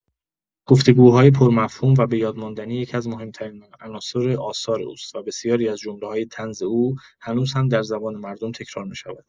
گفت‌وگوهای پرمفهوم و بۀادماندنی یکی‌از مهم‌ترین عناصر آثار اوست و بسیاری از جمله‌های طنز او هنوز هم در زبان مردم تکرار می‌شود.